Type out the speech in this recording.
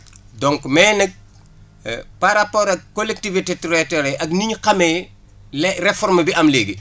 donc mais nag par rapport ak collectivité territoriales ak ni ñu xamee les réformes bi am léegi